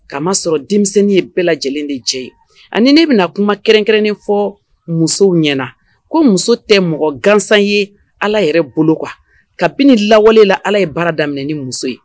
Ka ma sɔrɔ denmisɛnnin ye bɛɛ lajɛlen de cɛ ye ani ne bɛna kuma kɛrɛnkɛrɛnnen fɔ musow ɲɛna na ko muso tɛ mɔgɔ gansan ye ala yɛrɛ bolo kan kabinibi lawalela ala ye baara daminɛ ni muso ye